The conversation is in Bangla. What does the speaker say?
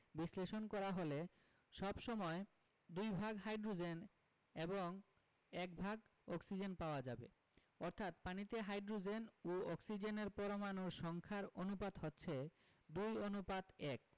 বিশ্লেষণ করা হলে সব সময় দুই ভাগ হাইড্রোজেন এবং এক ভাগ অক্সিজেন পাওয়া যাবে অর্থাৎ পানিতে হাইড্রোজেন ও অক্সিজেনের পরমাণুর সংখ্যার অনুপাত হচ্ছে ২ অনুপাত ১